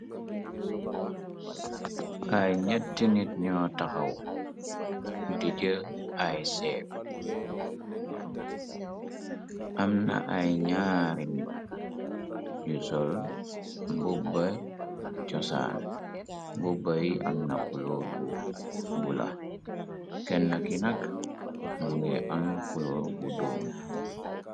Ay nett nit ñoo taxaw di jël ay seeb amna ay ñaari nit yu sol mbubba cosaan mbubba yi amna kuloor bu la kenn ki nag mungi am kuloor bu doom.